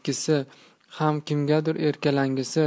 o'zi ham kimgadir erkalangisi